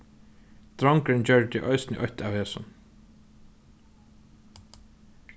drongurin gjørdi eisini eitt av hesum